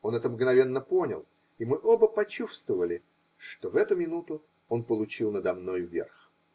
Он это мгновенно понял, и мы оба почувствовали, что в эту минуту он получил надо мною верх.